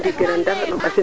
ya Henry Marcel